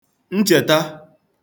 nchèta